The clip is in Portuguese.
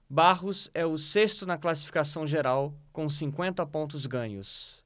barros é o sexto na classificação geral com cinquenta pontos ganhos